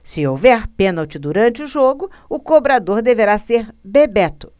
se houver pênalti durante o jogo o cobrador deverá ser bebeto